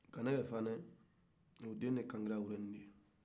kanɛgɛ fane den de ye kankura ye